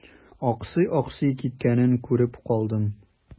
Аксый-аксый киткәнен күреп калдым.